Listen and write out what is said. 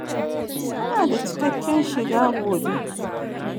Kana da cikaken shiga gobe.